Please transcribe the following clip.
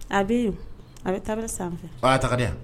A bɛ yen a bɛ tari sanfɛ a taga dɛ